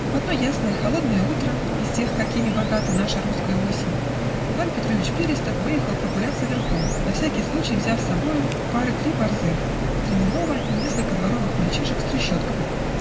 В одно ясное, холодное утро (из тех, какими богата наша русская осень) Иван Петрович Берестов выехал прогуляться верхом, на всякий случай взяв с собою пары три борзых, стремянного и несколько дворовых мальчишек с трещотками.